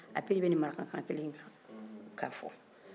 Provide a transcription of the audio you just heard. a bɛɛ de bɛ nin marakakan kelen in kan ka a fɔ